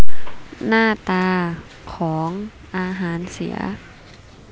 หน้าตาของอาหารเสีย